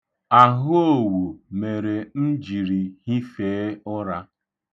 Ahụowu mere m jiri hifee ụra.